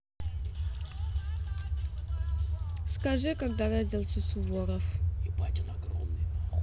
скажи когда родился суворов